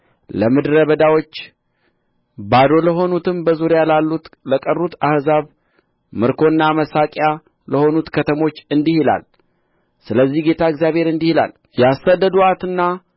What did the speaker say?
ለምድረ በዳዎች ባዶ ለሆኑትም በዙሪያ ላሉት ለቀሩት አሕዛብ ምርኮና መሳቂያ ለሆኑት ከተሞች እንዲህ ይላል ስለዚህ ጌታ እግዚአብሔር እንዲህ ይላል ያሳድዱአትና